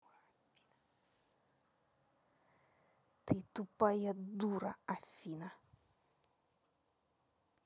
ты тупая дура афина